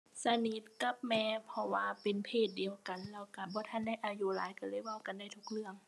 สนิทกับแม่ เพราะว่าเป็นเพศเดียวกัน แล้วก็บ่ทันได้อายุหลาย ก็เลยเว้ากันได้ทุกเรื่อง